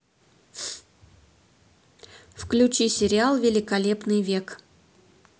включи сериал великолепный век